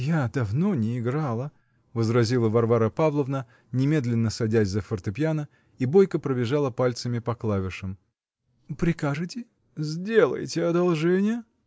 -- Я давно не играла, -- возразила Варвара Павловна, немедленно садясь за фортепьяно, и бойко пробежала пальцами по клавишам. -- Прикажете? -- Сделайте одолжение.